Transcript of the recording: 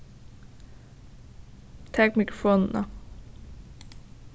tak mikrofonina